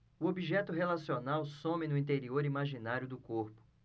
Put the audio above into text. o objeto relacional some no interior imaginário do corpo